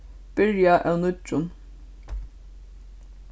byrja av nýggjum